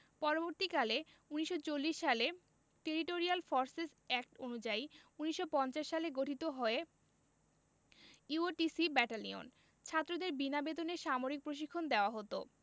পরবর্তীকালে ১৯৪০ সালের territorial forces act অনুযায়ী ১৯৫০ সালে গঠিত হয় ইউওটিসি ব্যাটালিয়ন ছাত্রদের বিনা বেতনে সামরিক প্রশিক্ষণ দেওয়া হতো